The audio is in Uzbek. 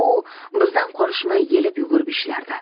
u bizdan qolishmay yelib yugurib ishlardi